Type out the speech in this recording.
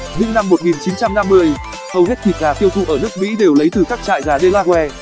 những năm hầu hết thịt gà tiêu thụ ở nước mỹ đều lấy từ các trại gà delaware